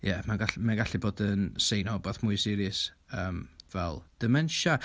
ia, mae'n mae o'n gallu bod yn sign o rywbath mwy serious fel dementia.